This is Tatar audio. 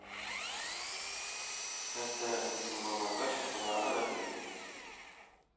Хәтта мөселманнарга чукынырга да тәкъдим булды